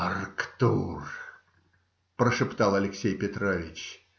- Арктур, - прошептал Алексей Петрович.